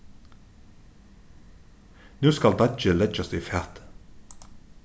nú skal deiggið leggjast í fatið